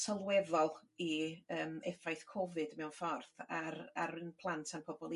sylweddol i yym effaith Cofid mewn ffordd ar ar 'yn plant a'n pobol